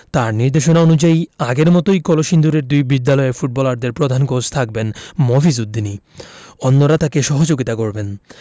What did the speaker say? তাঁর নির্দেশনা অনুযায়ী আগের মতো কলসিন্দুরের দুই বিদ্যালয়ের ফুটবলারদের প্রধান কোচ থাকবেন মফিজ উদ্দিনই অন্যরা তাঁকে সহযোগিতা করবেন